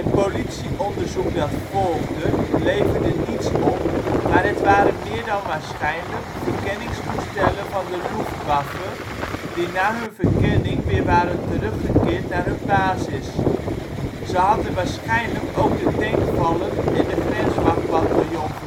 politieonderzoek dat volgde leverde niets op, maar het waren meer dan waarschijnlijk verkenningstoestellen van de Luftwaffe, die na hun verkenning weer waren terug gekeerd naar hun basis. Ze hadden waarschijnlijk ook de tankvallen en de grenswachtbataljon